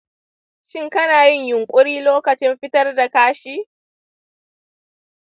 shin kana yin yunƙuri lokacin fitar da kashi?